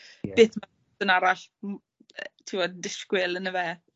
beth ma' person arall m- yy t'wod yn disgwyl on' yfe?